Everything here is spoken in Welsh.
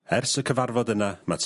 Ers y cyfarfod yna ma'...